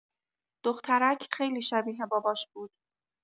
دخترک خیلی شبیه باباش بود.